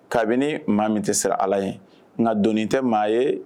Kabini maa min tɛ siran ala ye nka dɔnnii tɛ maa ye